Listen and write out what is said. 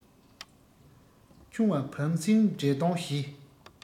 ཆུང བ བམ སྲིང འདྲེ གདོང བཞི